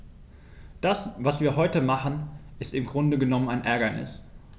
Das, was wir heute machen, ist im Grunde genommen ein Ärgernis.